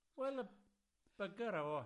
Wel y bugger o.